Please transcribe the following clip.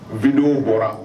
Bindenww bɔra